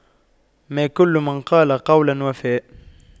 ما كل من قال قولا وفى